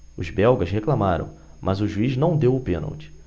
os belgas reclamaram mas o juiz não deu o pênalti